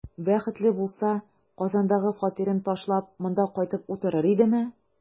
Бәхетле булса, Казандагы фатирын ташлап, монда кайтып утырыр идеме?